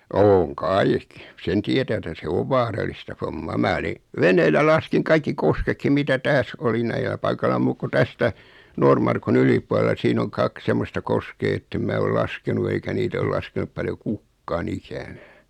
on kai sen tietää että se on vaaralista hommaa minä olin veneellä laskin kaikki kosketkin mitä tässä oli näillä paikalla muut kuin tästä Noormarkun yläpuolella siinä on kaksi semmoista koskea että en minä ole laskenut eikä niitä ole laskenut paljon kukaan ikänään